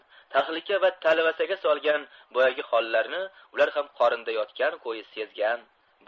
tahlika va talvasaga solgan boyagi hollarni ular ham qorinda yotgan ko'yi sezgan